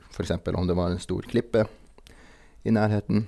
For eksempel om det var en stor klippe i nærheten.